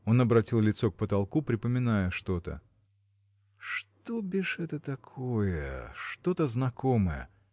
– Он обратил лицо к потолку, припоминая что-то. – Что бишь это такое? что-то знакомое.